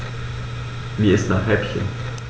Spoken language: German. Mir ist nach Häppchen.